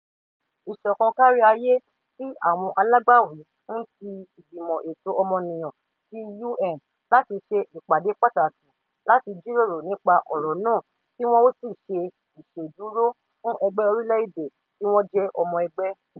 Ìṣọ̀kan káríayé tí àwọn alágbàwí ń ti Ìgbìmọ̀ Ètò Ọmọnìyàn ti UN láti ṣe ìpàdé pàtàkì láti jíròrò nípa ọ̀rọ̀ náà kí wọn ó sì ṣe ìṣèdúró fúnẹgbẹ́ orílẹ̀ èdè tí wọ́n jẹ́ ọmọ ẹgbẹ́.